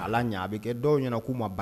Ala ɲɛ a bɛ kɛ dɔw ɲɛna k'u ma